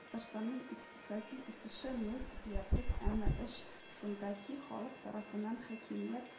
Татарстанның икътисади үсеше нуль диярлек, әмма эш шунда ки, халык тарафыннан хакимият